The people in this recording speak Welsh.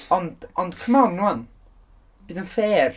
ond c'mon 'wan, bydd yn fair.